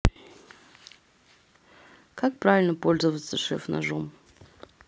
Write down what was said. как правильно пользоваться шеф ножом